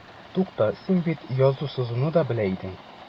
Тукта, син бит язу-сызуны да белә идең.